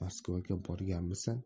maskovga borganmisan